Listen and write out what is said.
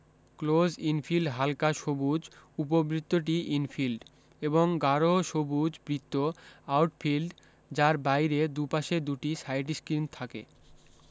close infield হালকা সবুজ উপবৃত্তটি ইনফিল্ড এবং গাড়হ সবুজ বৃত্ত আটফিল্ড যার বাইরে দুপাশে দুটি সাইটস্ক্রিন থাকে